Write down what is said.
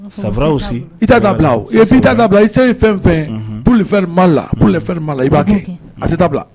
Saraw si i ta k'a bila i ta k' bila i se ye fɛn fɛn pmala pma la i b'a kɛ a tɛ ta bila